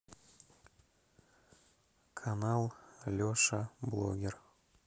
канал леша блогер